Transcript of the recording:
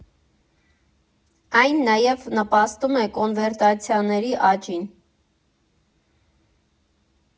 Այն նաև նպաստում է կոնվերտացիաների աճին։